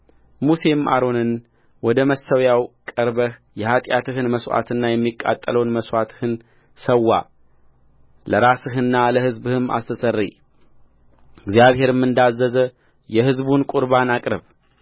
ሙሴም አሮንን ወደ መሠዊያው ቀርበህ የኃጢአትህን መሥዋዕትና የሚቃጠለውን መሥዋዕትህን ሠዋ ለራስህና ለሕዝቡም አስተስርይ እግዚአብሔርም እንዳዘዘ የሕዝቡን ቍርባን አቅርብ